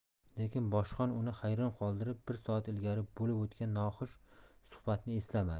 lekin boshqon uni hayron qoldirib bir soat ilgari bo'lib o'tgan noxush suhbatni eslamadi